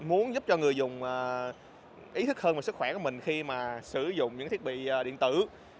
muốn giúp cho người dùng ý thức hơn về sức khỏe của mình khi mà sử dụng những thiết bị điện tử